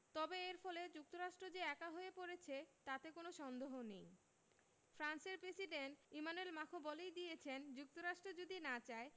তবে এর ফলে যুক্তরাষ্ট্র যে একা হয়ে পড়েছে তাতে কোনো সন্দেহ নেই ফ্রান্সের প্রেসিডেন্ট ইমানুয়েল মাখোঁ বলেই দিয়েছেন যুক্তরাষ্ট্র যদি না চায়